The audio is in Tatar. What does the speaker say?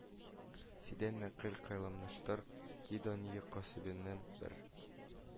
Сидән нәкыль кыйлынмыштыр ки: дания касабәсеннән бер